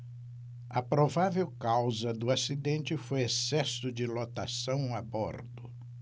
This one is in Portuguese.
a provável causa do acidente foi excesso de lotação a bordo